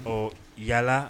Ɔ yalala